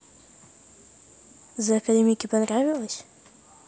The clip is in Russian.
the горемыке понравилось